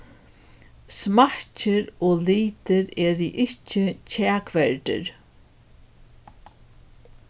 smakkir og litir eru ikki kjakverdir